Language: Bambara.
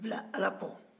bila ala kɔ